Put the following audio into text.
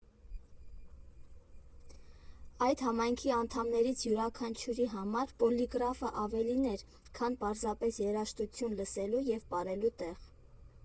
Այդ համայնքի անդամներից յուրաքանչյուրի համար Պոլիգրաֆը ավելին էր, քան պարզապես երաժշտություն լսելու և պարելու տեղ։